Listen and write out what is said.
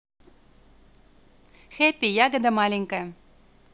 happy ягода маленькая